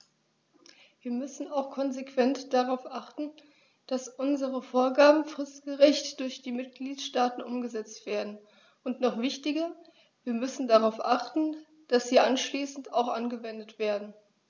Wir müssen auch konsequent darauf achten, dass unsere Vorgaben fristgerecht durch die Mitgliedstaaten umgesetzt werden, und noch wichtiger, wir müssen darauf achten, dass sie anschließend auch angewendet werden.